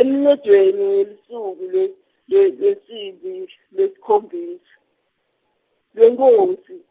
emgidvweni welusuku lwe lwe lwesimbi- yesikhombisa, lwenkhosi.